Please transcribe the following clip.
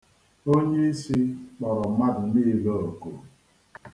Onyeisi kpọrọ mmadụ niile oku.